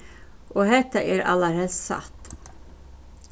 og hetta er allarhelst satt